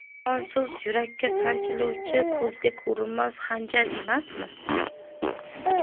yomon so'z yurakka sanchiluvchi ko'zga ko'rinmas xanjar emasmi